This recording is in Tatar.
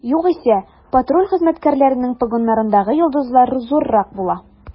Югыйсә, патруль хезмәткәрләренең погоннарындагы йолдызлар зуррак була.